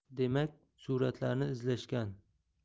demak suratlarni izlashgan